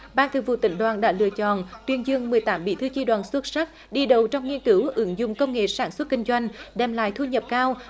ban thường vụ tỉnh đoàn đã lựa chọn tuyên dương mười tám bí thư chi đoàn xuất sắc đi đầu trong nghiên cứu ứng dụng công nghệ sản xuất kinh doanh đem lại thu nhập cao